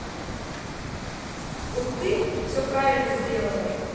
вот ты все правильно сделала